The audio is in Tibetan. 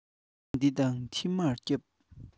བྲན བཟང འདི དང ཕྱི མར བསྐྱབས